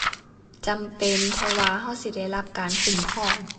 จำเป็น เพราะว่าเราสิได้รับการคุ้มครอง